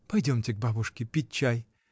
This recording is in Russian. — Пойдемте к бабушке пить чай.